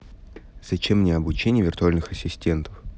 зачем мне обучение виртуальных ассистентов